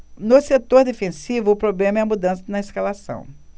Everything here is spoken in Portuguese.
no setor defensivo o problema é a mudança na escalação